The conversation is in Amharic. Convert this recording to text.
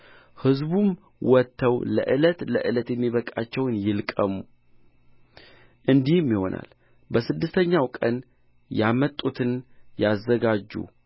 ሕዝቡም ወጥተው ለዕለት ለዕለት የሚበቃቸውን ይልቀሙ እንዲህም ይሆናል በስድስተኛው ቀን ያመጡትን ያዘጋጁ